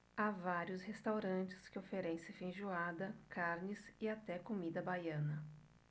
há vários restaurantes que oferecem feijoada carnes e até comida baiana